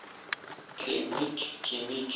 tenglik kenglik